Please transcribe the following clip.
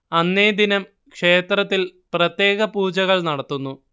അന്നേ ദിനം ക്ഷേത്രത്തിൽ പ്രത്യേക പൂജകൾ നടത്തുന്നു